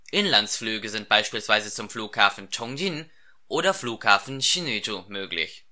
Inlandsflüge sind beispielsweise zum Flughafen Ch’ ŏngjin oder Flughafen Sinŭiju möglich